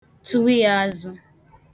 tùwiyazụ̄